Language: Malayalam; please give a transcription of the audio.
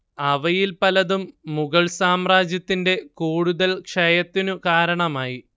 അവയിൽ പലതും മുഗൾ സാമ്രാജ്യത്തിന്റെ കൂടുതൽ ക്ഷയത്തിനു കാരണമായി